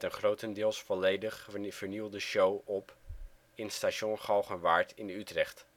grotendeels volledig vernieuwde show op in Stadion Galgenwaard in Utrecht